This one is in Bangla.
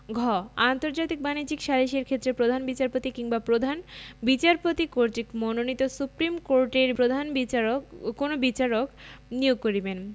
ঘ আন্তর্জাতিক বাণিজ্যিক সালিসের ক্ষেত্রে প্রধান বিচারপতি কিংবা প্রধান বিচারপতি কর্তৃক মনোনীত সুপ্রীম কোর্টের প্রধান বিচারক কোন বিচারক নিয়োগ করিবেন